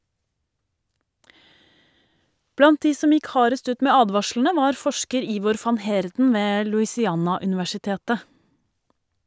Blant de som gikk hardest ut med advarslene var forsker Ivor van Heerden ved Louisiana-universitetet.